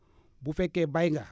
bu fekkee bay nga